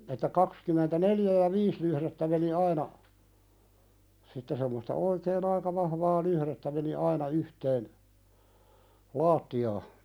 että kaksikymmentäneljä ja viisi lyhdettä meni aina sitten semmoista oikein aika vahvaa lyhdettä meni aina yhteen lattiaan